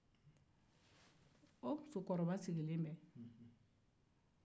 o muskɔrɔba sigilen bɛ